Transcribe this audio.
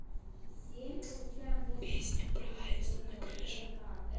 песня про аиста на крыше